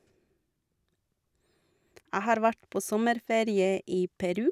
Jeg har vært på sommerferie i Peru.